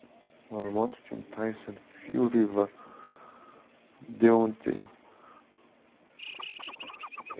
ma'lumot uchun tayson fyuri va deontey